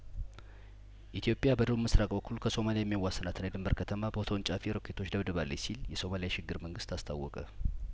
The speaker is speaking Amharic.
ኢትዮጵያ በደቡብ ምስራቅ በኩል ከሶማሊያ የሚያዋስናትን የድንበር ከተማ በተወንጫፊ ሮኬቶች ደብድባለች ሲል የሶማሊያ የሽግግር መንግስት አስታወቀ